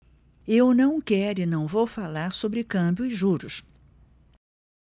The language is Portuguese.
eu não quero e não vou falar sobre câmbio e juros